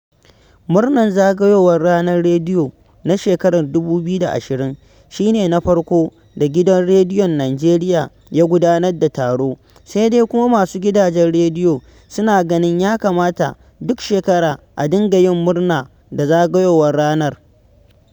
Murnar zagayowar Ranar Rediyo na shekarar 2020 shi ne na farko da gidan rediyon Nijeriya ya gudanar da taro, sai dai kuma masu gidajen rediyo suna ganin ya kamata duk shekara a dinga yin murna da zagayowar ranar.